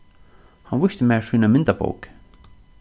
hann vísti mær sína myndabók